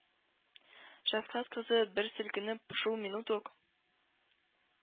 Шәфкать кызы, бер селкенеп, шул минут ук